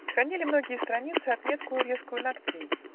Хранили многие страницы Отметку резкую ногтей